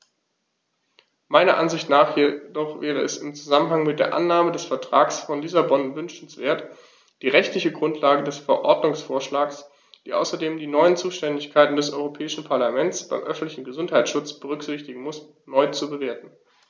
Meiner Ansicht nach jedoch wäre es im Zusammenhang mit der Annahme des Vertrags von Lissabon wünschenswert, die rechtliche Grundlage des Verordnungsvorschlags, die außerdem die neuen Zuständigkeiten des Europäischen Parlaments beim öffentlichen Gesundheitsschutz berücksichtigen muss, neu zu bewerten.